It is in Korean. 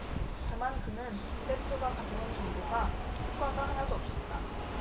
다만 그는 김 대표가 가져온 정보가 효과가 하나도 없었다